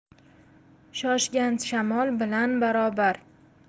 shoshgan shamol bilan barobar